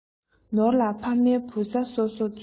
ནོར ལ ཕ མས བུ ཚ གསོ གསོ མཛོད